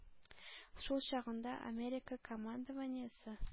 Шул чагында Америка командованиесе